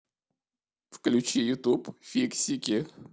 включи ютуб фиксики